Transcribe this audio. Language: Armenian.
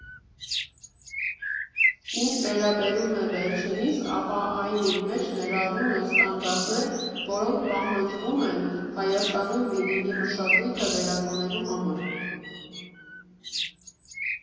Ինչ վերաբերում է վերջինիս, ապա այն իր մեջ ներառում է ստանդարտներ, որոնք պահանջվում են Հայաստանում վինիլի մշակույթը վերածնելու համար։